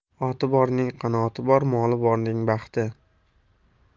oti borning qanoti bor moli borning baxti